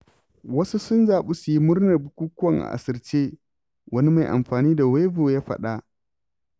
Wasu sun zaɓi su yi murnar bukukuwan a asirce. Wani mai amfani da Weibo y faɗa: